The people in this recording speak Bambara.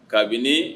Kabini